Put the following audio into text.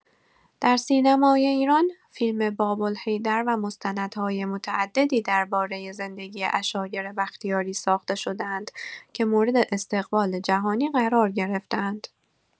در سینمای ایران، فیلم «باب‌الحیدر» و مستندهای متعددی درباره زندگی عشایری بختیاری ساخته شده‌اند که مورد استقبال جهانی قرار گرفته‌اند.